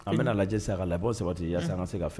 A bɛ lajɛ san ka la bɔ sabati i yaa san an se ka fɛ